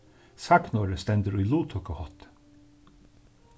sagnorðið stendur í luttøkuhátti